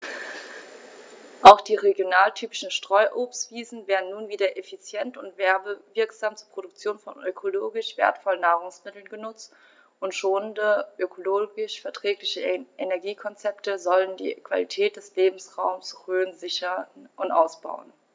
Auch die regionaltypischen Streuobstwiesen werden nun wieder effizient und werbewirksam zur Produktion von ökologisch wertvollen Nahrungsmitteln genutzt, und schonende, ökologisch verträgliche Energiekonzepte sollen die Qualität des Lebensraumes Rhön sichern und ausbauen.